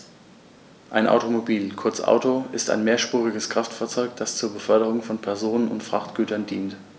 Ein Automobil, kurz Auto, ist ein mehrspuriges Kraftfahrzeug, das zur Beförderung von Personen und Frachtgütern dient.